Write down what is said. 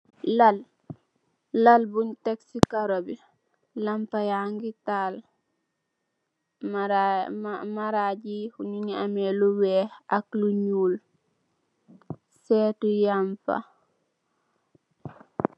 Lal bunge tek si karo bi, lampa yangi taal, maraaji nyingi ameh lu weeh ak lu nyul, seetu yang fa.